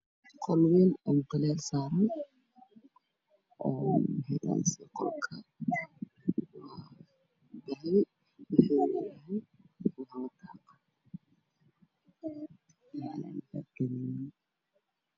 Qol wayn oo uugalayo saarmi oo u helaso qolka waxa uu yahay baa gududa